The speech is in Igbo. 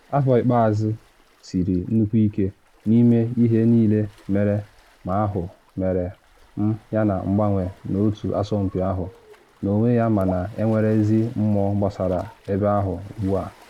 Afọ ikpeazụ siri nnukwu ike, n’ime ihe niile mere ma ahụ mmerụ m yana mgbanwe n’otu asọmpi ahụ n’onwe ya mana enwere ezi mmụọ gbasara ebe ahụ ugbu a.